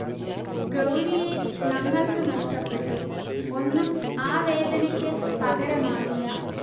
ഗൌരിയെ ഞങ്ങൾക്ക് നഷ്ടപ്പെട്ടു, ഒന്നും ആ വേദനക്ക് പകരമാവില്ല